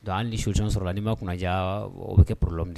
Don an nij sɔrɔ' ma kunnaja o bɛ kɛ p la min